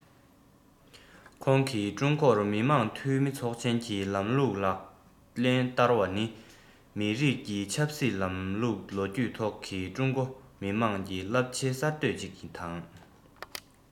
ཁོང གིས ཀྲུང གོར མི དམངས འཐུས མི ཚོགས ཆེན གྱི ལམ ལུགས ལག ལེན བསྟར བ ནི མིའི རིགས ཀྱི ཆབ སྲིད ལམ ལུགས ལོ རྒྱུས ཐོག གི ཀྲུང གོ མི དམངས ཀྱི རླབས ཆེའི གསར གཏོད ཅིག དང